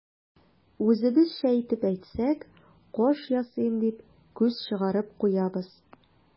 Үзебезчә итеп әйтсәк, каш ясыйм дип, күз чыгарып куябыз.